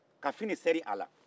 ka fini seri a la